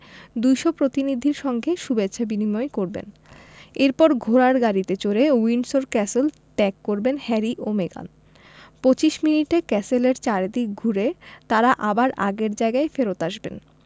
২০০ প্রতিনিধির সঙ্গে শুভেচ্ছা বিনিময় করবেন এরপর ঘোড়ার গাড়িতে চড়ে উইন্ডসর ক্যাসেল ত্যাগ করবেন হ্যারি ও মেগান ২৫ মিনিটে ক্যাসেলের চারদিক ঘুরে তাঁরা আবার আগের জায়গায় ফেরত আসবেন